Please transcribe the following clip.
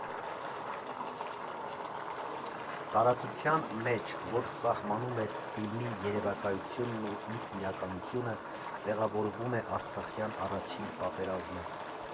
Տարածության մեջ, որը սահմանում էր ֆիլմի երևակայությունն ու իր իրականությունը, տեղավորվում է Արցախյան առաջին պատերազմը։